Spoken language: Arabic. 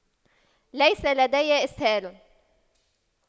ليس لدي إسهال